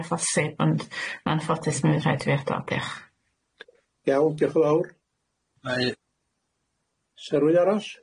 â posib ond'n anffodus mi fydd rhaid i fi adael, diolch.